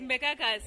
N bɛ ka ka